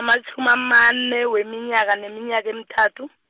namatjhumi amane weminyaka neminyaka emithathu.